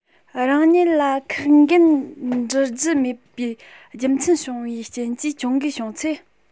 རང ཉིད ལ ཁག འགན དཀྲི རྒྱུ མེད པའི རྒྱུ མཚན བྱུང བའི རྐྱེན གྱིས གྱོང གུན བྱུང ཚེ